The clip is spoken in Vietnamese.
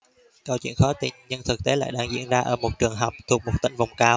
câu chuyện khó tin nhưng thực tế lại đang diễn ra ở một trường học thuộc một tỉnh vùng cao